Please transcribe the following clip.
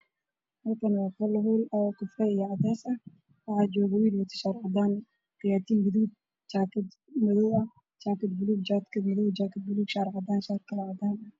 Halkaan waxaa ka muuqdo nin qabo suit madaw ah shaati cadaan iyo taay guduud ah